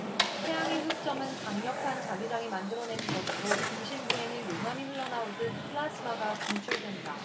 태양의 흑점은 강력한 자기장이 만들어내는 것으로 중심부에는 용암이 흘러나오듯 플라즈마가 분출된다